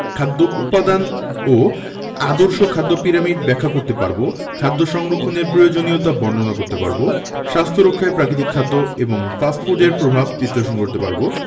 খাদ্য উপাদান ও আদর্শ খাদ্য পিরামিড ব্যাখ্যা করতে পারব খাদ্য সংরক্ষণের প্রয়োজনীয়তা বর্ণনা করতে পারব স্বাস্থ্য রক্ষায় প্রাকৃতিক খাদ্য এবং ফাস্ট ফুডের প্রভাব বিশ্লেষণ করতে পারব